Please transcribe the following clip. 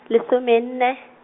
lesome nne.